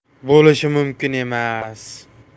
bo'lishi mumkin emas